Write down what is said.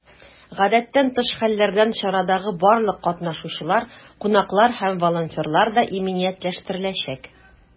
Гадәттән тыш хәлләрдән чарадагы барлык катнашучылар, кунаклар һәм волонтерлар да иминиятләштереләчәк.